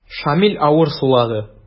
Шамил авыр сулады.